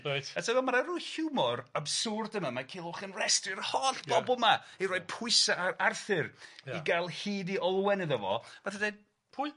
Reit. A ti wel' mae 'na ryw hiwmor abswrd yna, mae Culhwch yn restru'r holl bobol 'ma i roi pwyse ar Arthur. Ia. I ga'l hyd i Olwen iddo fo nath e ddeud pwy?